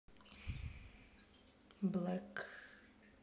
black